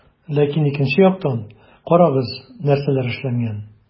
Ләкин икенче яктан - карагыз, нәрсәләр эшләнгән.